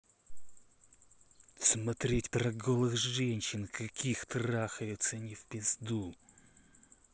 смотреть про голых женщин каких трахаются не в пизду